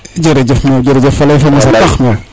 jerejef faley fa mosa paax